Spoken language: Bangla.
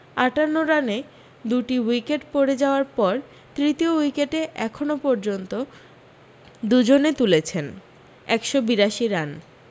আটান্ন রানে দুটি উইকেট পড়ে যাওয়ার পর তৃতীয় উইকেটে এখন পর্যন্ত দুজনে তুলেছেন একশ বিরাশি রান